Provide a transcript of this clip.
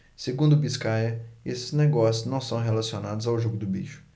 segundo biscaia esses negócios não são relacionados ao jogo do bicho